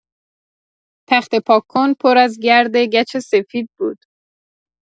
تخته پاک‌کن پر از گرد گچ سفید بود.